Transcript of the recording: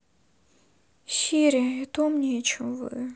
сири и то умнее чем вы